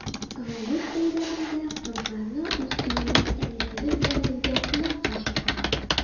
Гает бәйрәмендә кызларны уз өенә әниләре белән бергә кунакка чакыра.